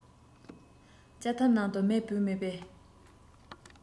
ལྕགས ཐབ ནང དུ མེ བུད མེད པས